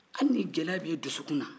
hali ni gɛlɛya b'i dusukun na